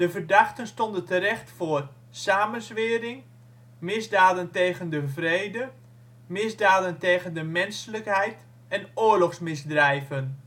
verdachten stonden terecht voor samenzwering, misdaden tegen de vrede, misdaden tegen de menselijkheid, oorlogsmisdrijven